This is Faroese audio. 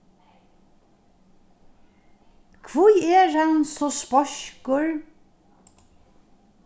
hví er hann so speiskur